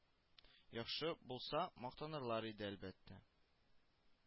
Яхшы булса, мактанырлар иде, әлбәттә